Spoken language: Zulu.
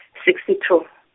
sixty two.